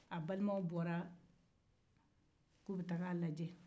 a balimaw bɔra k'u bɛ taa a lajɛ